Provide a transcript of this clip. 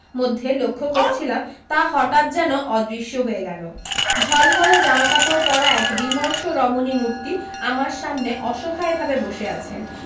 মধ্যে লক্ষ্য করছিলাম তা হঠাত যেন অদৃশ্য হয়ে গেলো ঝলমলে জামাকাপড় পরা এক বিমর্ষ রমণীমূর্তী আমার সামনে অসহায়ভাবে বসে আছেন